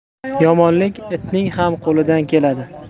yomonlik itning ham qo'lidan keladi